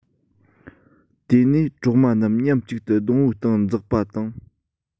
དེ ནས གྲོག མ རྣམས མཉམ གཅིག ཏུ སྡོང བོའི སྟེང འཛེགས པ དང